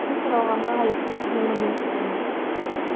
Ул таралганга гаепле саныймын мин үземне.